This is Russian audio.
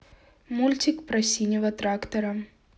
мультик про синего трактора